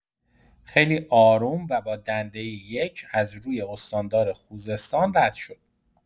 خیلی آروم و با دنده یک از روی استاندار خوزستان رد شد!